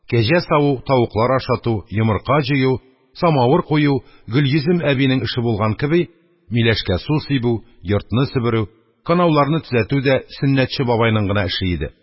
Кәҗә саву, тавыклар ашату, йомырка җыю, самавыр кую гөлйөзем әбинең эше булган кеби, миләшкә су сибү, йортны себерү, канауларны төзәтү дә сөннәтче бабайның гына эше иде.